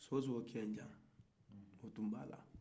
sogocɛjan o b'a la